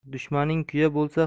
dushmaning kuya bo'lsa